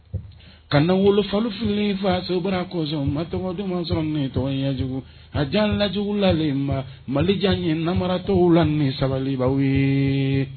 Ka wolofalofi fa sobara kɔsɔn u ma tɔgɔ duman sɔrɔ ni tɔgɔ ɲɛjugu a jan lajjugulalen mali jan ye namaratɔ la ni sabalibaw ye